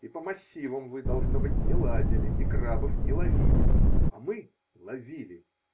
И по массивам вы, должно быть, не лазили, и крабов не ловили. А мы ловили.